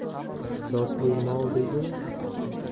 zotli mol degin